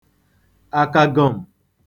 akagọm̀